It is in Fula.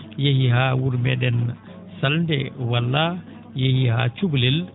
yehii haa wuro mee?en Salde walla yehii haa Thioubalel